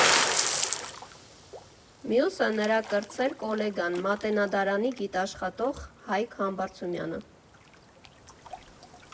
Մյուսը՝ նրա կրտսեր կոլեգան, Մատենադարանի գիտաշխատող Հայկ Համբարձումյանը։